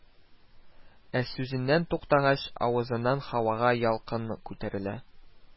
Ә сүзеннән туктагач, авызыннан һавага ялкын күтәрелә